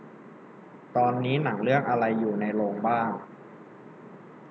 ตอนนี้หนังเรื่องอะไรอยู่ในโรงบ้าง